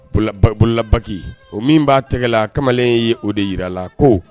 Bololabaki o min b'a tɛgɛ la kamalen ye o de jira la ko